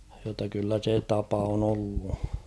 jotta kyllä se tapa on ollut